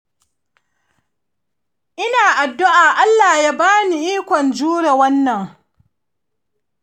ina addu'a allah ya ba ni ikon jure wannan.